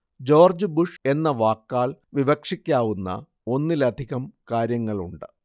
George Bush എന്ന വാക്കാല്‍ വിവക്ഷിക്കാവുന്ന ഒന്നിലധികം കാര്യങ്ങളുണ്ട്